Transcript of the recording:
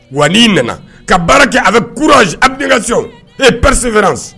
Wa nana ka baara kɛ a bɛ kuraz a bɛ denkɛ ka se e presi fɛran